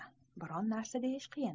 biron narsa deyish qiyin